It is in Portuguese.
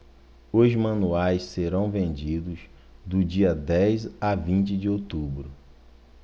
os manuais serão vendidos do dia dez a vinte de outubro